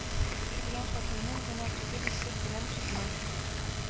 Ир белән хатынның гына түгел, егет белән кызның